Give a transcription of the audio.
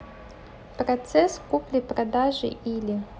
процесс купли продажи или